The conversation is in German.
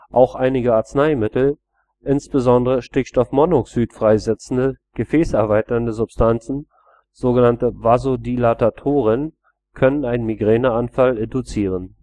Auch einige Arzneimittel, insbesondere Stickstoffmonoxid freisetzende, gefäßerweiternde Substanzen (Vasodilatatoren), können einen Migräneanfall induzieren